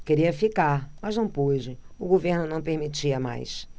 queria ficar mas não pude o governo não permitia mais